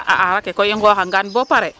A aar ake koy i nqooxangaan bo pare